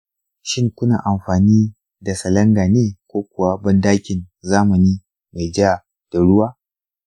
shin kuna amfani da salanga ne ko kuwa bandakin zamani mai ja da ruwa